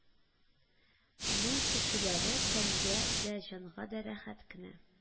Нү-төшүләре тәнгә дә, җанга да рәхәт кенә